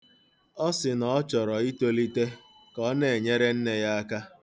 Ọ sị na ọ chọrọ itolite ka ọ na-enyere nne ya aka.